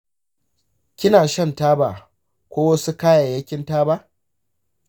kina shan taba ko wasu kayayyakin taba?